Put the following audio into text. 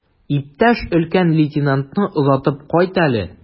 Иптәш өлкән лейтенантны озатып кайт әле.